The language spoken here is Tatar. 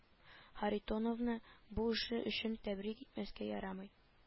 Харитоновны бу эше өчен тәбрик итмәскә ярамый